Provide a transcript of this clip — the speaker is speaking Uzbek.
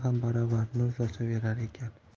ham baravar nur sochaverar ekan